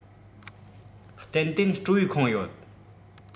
ཏན ཏན སྤྲོ བས ཁེངས ཡོད